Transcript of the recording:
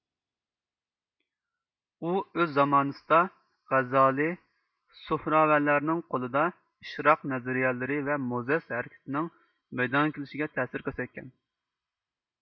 ئۇ ئۆز زامانىسىدا غەزالىي سۇھراۋەلەرنىڭ قولىدا ئىشراق نەزىرىيەلىرى ۋە موزەس ھەرىكىتىنىڭ مەيدانغا كىلىشىگە تەسىر كۆرسەتكەن